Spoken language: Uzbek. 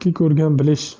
ikki ko'rgan bilish